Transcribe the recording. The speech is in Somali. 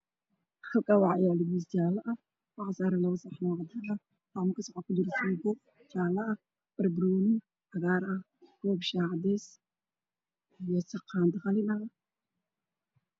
Halkaan wax yaalo miis jaalo ah wax saaran saxmuun